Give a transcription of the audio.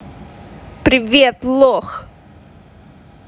привет лох